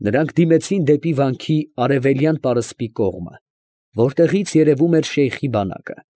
Նրանք դիմեցին դեպի վանքի արևելյան պարսպի կողմը, որտեղից երևում էր շեյխի բանակը։